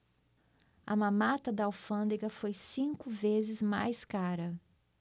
a mamata da alfândega foi cinco vezes mais cara